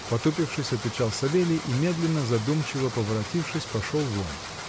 — потупившись отвечал Савелий и, медленно, задумчиво поворотившись, пошел вон.